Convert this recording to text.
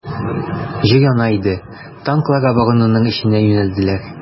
Җир яна иде, танклар оборонаның эченә юнәлделәр.